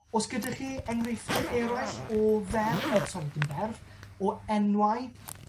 O's gyda chi enghriefftiau eraill o fer- yy sori dim berf, o enwau?